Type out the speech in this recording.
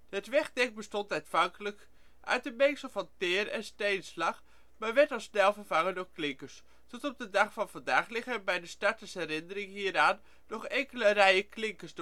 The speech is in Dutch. Het wegdek bestond aanvankelijk uit een mengsel van teer en steenslag, maar werd al snel vervangen door klinkers. Tot op de dag van vandaag liggen er bij de start als herinnering hieraan nog enkele rijen klinkers